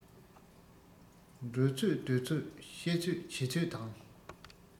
འགྲོ ཚོད སྡོད ཚོད བཤད ཚོད བྱེད ཚོད དང